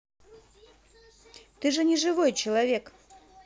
ты же не живой человек